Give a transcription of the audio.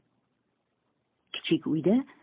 kichik uyda